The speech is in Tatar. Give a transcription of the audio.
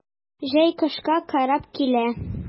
Җәй кышка карап килә.